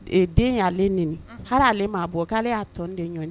Den y'alen nin haliale maa bɔ k'ale y'a tɔnden ɲɔgɔn ye